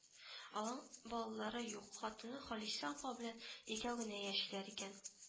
Аның балалары юк - хатыны Хәлисә апа белән икәү генә яшиләр икән